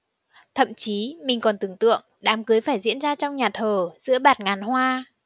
thậm chí mình còn tưởng tượng đám cưới phải diễn ra trong nhà thờ giữa bạt ngàn hoa